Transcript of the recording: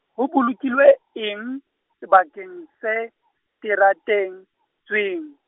ho bolokilwe, eng, sebakeng se, teratetsweng.